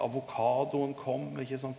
avokadoen kom ikkje sant.